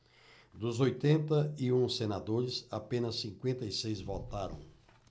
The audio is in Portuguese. dos oitenta e um senadores apenas cinquenta e seis votaram